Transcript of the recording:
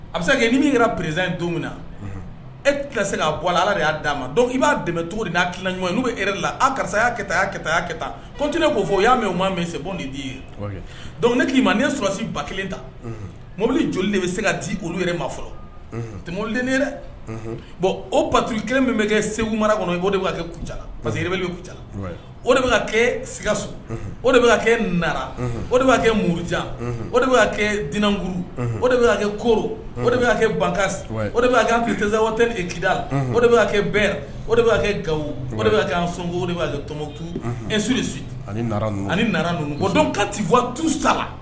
A bɛ seke ni min kɛra perez in don min na e se k' bɔ ala y'a d'a ma dɔn i b'a dɛmɛ cogo di n'a kila ɲɔgɔn n'o yɛrɛ la a karisaya kata kataya ka taa pt ne k koo fɔ o y'a mɛ o maa min sebon ni d'i ye don ni ki ma n ne sɔrɔsi ba kelen ta mobili joli de bɛ se ka ti olu yɛrɛ ma fɔlɔ temodenin yɛrɛ bɔn o patouru kelen min bɛ kɛ segu mara kɔnɔ o de b'a kɛ kun ca pa queele bɛ ku ca o de bɛ kɛ sikaso o de bɛ kɛ na o de b'a kɛ murujan o de b'a kɛ dkuru o de bɛ'a kɛ koro o de bɛ' kɛ banka o de'a kɛ kisɛwat kida la o de b'a kɛ bɛn o de b'a kɛ gawo o de bɛ' kɛ an sɔnko de b'a tmmɔ tu esuri su ani ani ninnu don ka tiwatu sa